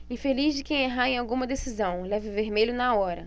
infeliz de quem errar em alguma decisão leva vermelho na hora